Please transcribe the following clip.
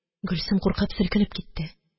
Гөлсем куркып селкенеп китте.